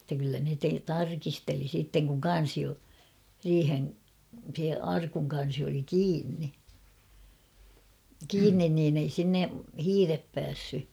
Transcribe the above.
että kyllä ne - tarkisteli sitten kun kansi - se arkun kansi oli kiinni kiinni niin ei sinne hiiret päässyt